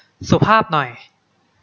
สุภาพหน่อย